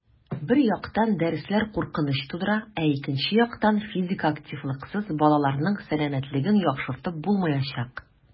Бер яктан, дәресләр куркыныч тудыра, ә икенче яктан - физик активлыксыз балаларның сәламәтлеген яхшыртып булмаячак.